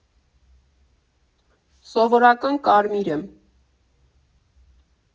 ֊ Սովորական կարմիր եմ։